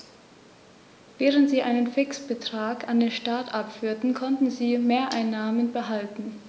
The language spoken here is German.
Während sie einen Fixbetrag an den Staat abführten, konnten sie Mehreinnahmen behalten.